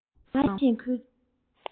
ཤེས ནའང མ ཤེས ཁུལ